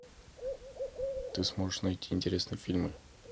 ты сможешь найти интересные фильмы